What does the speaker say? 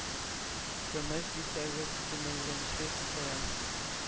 Көмеш дисәгез, күмелгәнче китерәм,